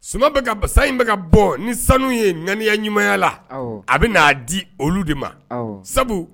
Suma bɛ ka sa in bɛ ka ka bɔ ni sanu ye ŋaniya ɲumanya la a bɛ n'a di olu de ma, awɔ, sabu